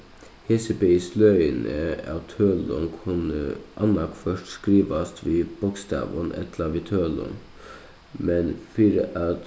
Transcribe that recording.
hesi bæði sløgini av tølum kunnu annaðhvørt skrivast við bókstavum ella við tølum men fyri at